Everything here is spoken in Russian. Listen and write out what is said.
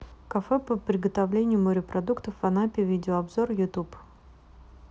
кафе по приготовлению морепродуктов в анапе видеообзор youtube